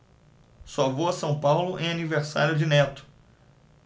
só vou a são paulo em aniversário de neto